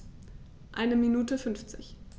Eine Minute 50